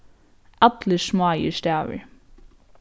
allir smáir stavir